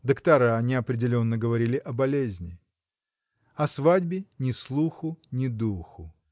доктора неопределенно говорили о болезни. О свадьбе ни слуху ни духу.